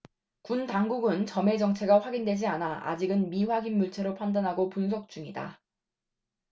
군 당국은 점의 정체가 확인되지 않아 아직은 미확인 물체로 판단하고 분석 중이다